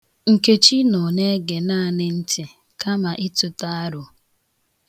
Nkechi nọ na-ege naanị ntị kama ịtụta aro.